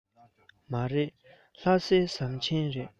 མ རེད ལྷ སའི ཟམ ཆེན རེད